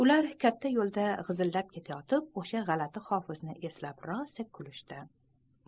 ular katta yo'lda g'izillab ketayotib o'sha g'alati hofizni eslab rosa kulishdi